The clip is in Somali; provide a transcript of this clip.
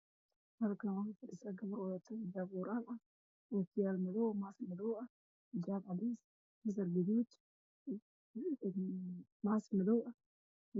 Halkaan waxaa ka muuqdo gabar wadat hijaab ookiyaalo madaw ah iyo mask madaw ah